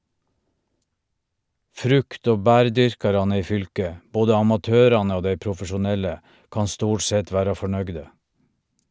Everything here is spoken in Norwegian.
Frukt- og bærdyrkarane i fylket, både amatørane og dei profesjonelle, kan stort sett vera fornøgde.